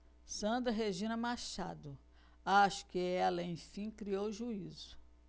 sandra regina machado acho que ela enfim criou juízo